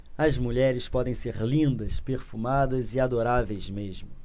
as mulheres podem ser lindas perfumadas e adoráveis mesmo